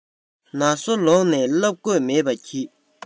ན སོ ལོངས ནས བསླབས དགོས མེད པ གྱིས